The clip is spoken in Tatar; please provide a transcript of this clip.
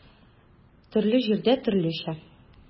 Төрле җирдә төрлечә.